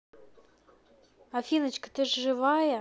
афиночка ты живая